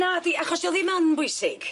Nadi achos dio ddim yn bwysig.